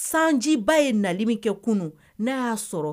Sanjiba ye nali min kɛ kunun n'a y'a sɔrɔ